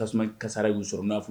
Ka tasuma kasra y uu sɔrɔ n'a nafolo